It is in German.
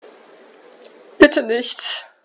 Bitte nicht.